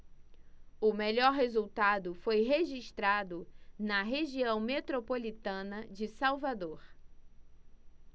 o melhor resultado foi registrado na região metropolitana de salvador